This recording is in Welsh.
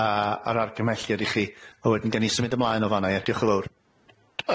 a a'r argymelliad i chi a wedyn gawn ni symud ymlaen o fan 'na ia dioch yn fowr.